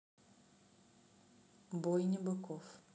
бойня быков